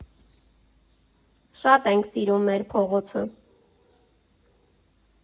Շատ ենք սիրում մեր փողոցը։